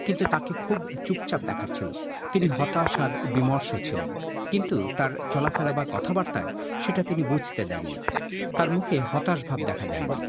কিন্তু তাকে খুব চুপচাপ দেখাচ্ছিলো তিনি হতাশা আর বিমর্ষ ছিলেন কিন্তু তার চলাফেরা বা কথাবার্তায় সেটা তিনি বুঝতে দেননি তার মুখে হতাশ ভাব দেখা যায়নি